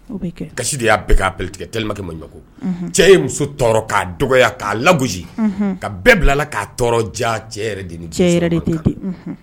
Kasi de'tigɛ tlibakɛ ma ɲɛkɔ cɛ ye muso tɔɔrɔ k'a dɔgɔya k'a lago ka bɛɛ bila la k'a tɔɔrɔ ja cɛ cɛ